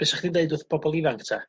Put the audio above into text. Be' 'sa chdi'n deud wrth bobol ifanc ta?